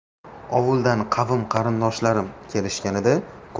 ovuldan qavm qarindoshlarim kelishganida